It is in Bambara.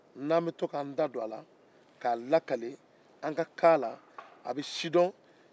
n'an bɛ to k'an da don a la k'a lakali an kan na a bɛ sidɔn